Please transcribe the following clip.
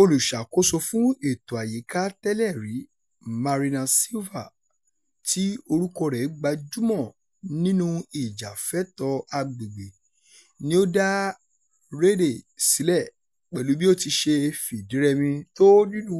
Olùṣàkóso fún ètò àyíká tẹ́lẹ̀ rí Marina Silva, tí orúkọ rẹ̀ gbajúmọ̀ nínú ìjàfẹ́tọ̀ọ́ agbègbè ni ó dá Rede sílẹ̀ pẹ̀lú bí ó ti ṣe fìdírẹmi tó nínú